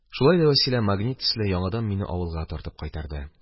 Шулай да Вәсилә, магнит төсле, яңадан мине авылга тартып кайтарды.